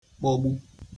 kpọgbu